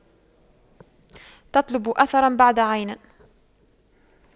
تطلب أثراً بعد عين